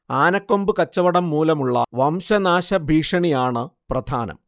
ആനക്കൊമ്പ് കച്ചവടം മൂലമുള്ള വംശനാശ ഭീഷണിയാണ് പ്രധാനം